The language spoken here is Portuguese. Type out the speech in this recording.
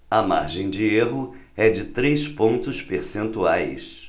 a margem de erro é de três pontos percentuais